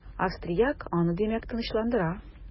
Австрияк аны димәк, тынычландыра.